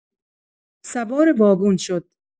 سوار واگن شد.